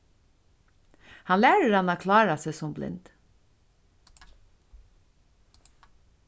hann lærir hana at klára seg sum blind